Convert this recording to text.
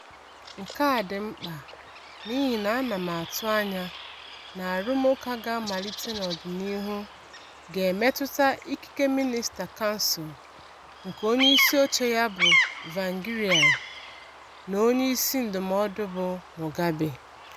Nke a dị mkpa n'ịhị na a na m na-atụ anya na arụmụụka ga-amalite n'ọdịnihu ga-emetụta ikike mịnịsta kansụl, nke onyeisi oche ya bụ Tsvangirai, na onyeisi ndụmọdụ bụ Mugabe.